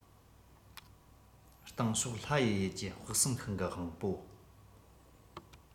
སྟེང ཕྱོགས ལྷ ཡི ཡུལ གྱི དཔག བསམ ཤིང གི དབང པོ